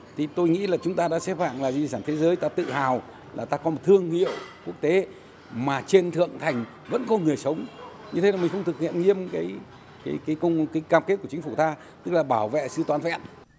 thì tôi nghĩ là chúng ta đã xếp hạng là di sản thế giới ta tự hào là ta có một thương hiệu quốc tế mà trên thượng thành vẫn có người sống như thế là mình không thực hiện nghiêm cái cái cái cung cái cam kết của chính phủ ta tức là bảo vệ sự toàn vẹn